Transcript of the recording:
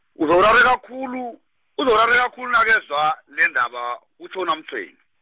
uzokurareka khulu, uzokurareka khulu nakezwa, lendaba, kutjho UNaMtshweni.